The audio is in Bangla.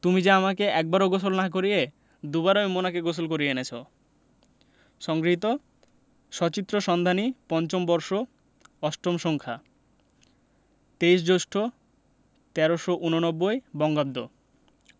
তুমি যে আমাকে একবারও গোসল না করিয়ে দুবারই মোনাকে গোসল করিয়ে এনেছো সংগৃহীত সচিত্র সন্ধানী৫ম বর্ষ ৮ম সংখ্যা ২৩ জ্যৈষ্ঠ ১৩৮৯ বঙ্গাব্দ